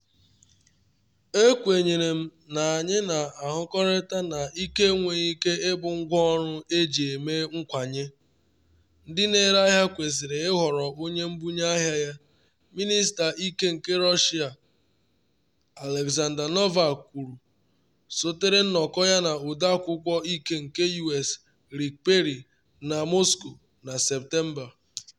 “Ekwenyere m na anyị na-ahụkọrịta na ike enweghị ike ịbụ ngwaọrụ eji eme nkwanye, ndị na-eri ahịa kwesịrị ịhọrọ onye mbunye ahịa ya,” Mịnịsta Ike nke Russia Aleksandr Novak kwuru, sotere nnọkọ ya na Ọde Akwụkwọ Ike nke US Rick Perry na Moscow na Septemba.